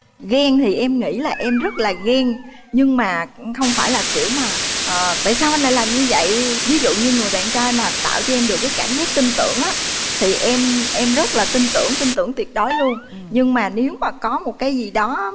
ghen thì em nghĩ là em rất là ghen nhưng mà cũng không phải là kiểu mà tại sao anh lại làm như vậy ví dụ như người bạn trai mà tạo cho em được cái cảm giác tin tưởng thì em em rất là tin tưởng tin tưởng tuyệt đối luôn nhưng mà nếu mà có một cái gì đó mà